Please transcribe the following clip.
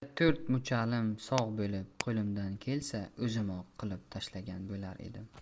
agar to'rt muchalim sog' bo'lib qo'limdan kelsa o'zimoq qilib tashlgan bo'lar edim